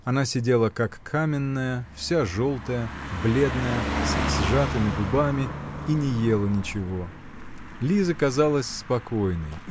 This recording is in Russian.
Она сидела, как каменная, вся желтая, бледная, с сжатыми губами -- и но ела ничего. Лиза казалась спокойной